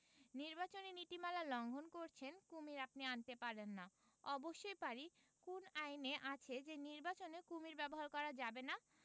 ‘নিবাচনী নীতিমালা লংঘন করছেন কুমীর আপনি আনতে পারেন না'‘অবশ্যই পারি কোন আইনে আছে যে নির্বাচনে কুমীর ব্যবহার করা যাবে না